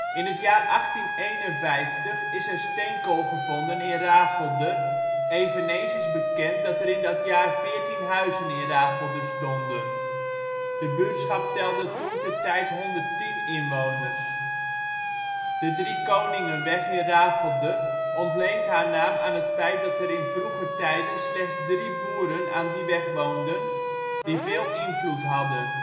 In het jaar 1851 is er steenkool gevonden in Rafelder. Eveneens is bekend dat er in dat jaar 14 huizen in Rafelder stonden. De buurtschap telde toentertijd 110 inwoners. De Driekoningenweg in Rafelder ontleent haar naam aan het feit dat er in vroeger tijden slechts drie boeren aan die weg woonden, die veel invloed hadden